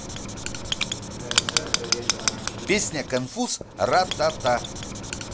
песня конфуз ратата